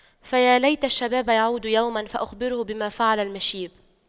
فيا ليت الشباب يعود يوما فأخبره بما فعل المشيب